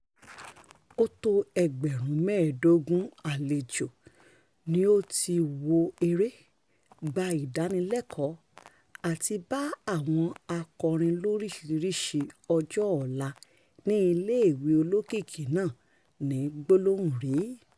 Ó tó ẹgbẹ̀rún mẹ́ẹ̀ẹ́dógún àlejò ni ó ti wo eré, gba ìdánilẹ́kọ̀ọ́ àti bá àwọn akọrin lóríṣiírísí ọjọ́ ọ̀la ní iléèwé olókìkí náà ní gbólóhùn rí.